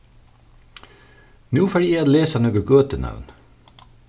nú fari eg at lesa nøkur gøtunøvn